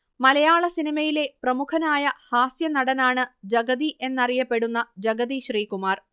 മലയാള സിനിമയിലെ പ്രമുഖനായ ഹാസ്യനടനാണ് ജഗതി എന്നറിയപ്പെടുന്ന ജഗതി ശ്രീകുമാർ